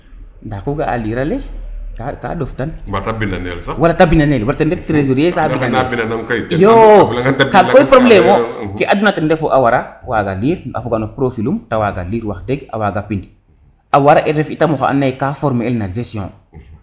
nda ko ga a a lire ale ka ndof tan wala te bina ndel sax ten ref tresorier nba pare sa mbina ndel iyo kaga koy probleme o ke aduna ten ref a wara waga lire a foga no profil um te waga lire wax deg a waga pind a wara fi tam oxa ando naye ka former el no gestion